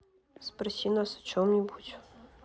спроси нас о чем нибудь